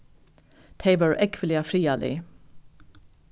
tey vóru ógvuliga friðarlig